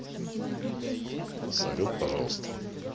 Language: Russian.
салют пожалуйста